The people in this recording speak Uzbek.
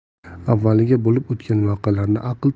avvaliga bo'lib o'tgan voqealarni aql